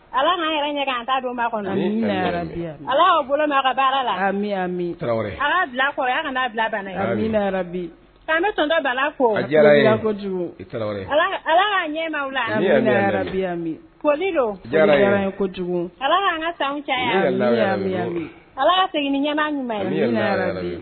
Ala ɲɛ an ta don kɔnɔ ala bolo ka baara la ka ala ka ɲɛma lali don ala an ka caya segin